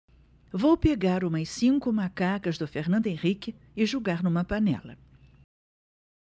vou pegar umas cinco macacas do fernando henrique e jogar numa panela